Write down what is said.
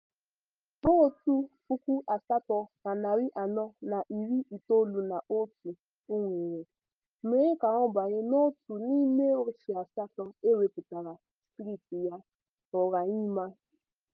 Vootu 8,491 o nwere mere ka ọ banye n'otu n'ime oche asatọ e wepụtara steeti ya, Roraima.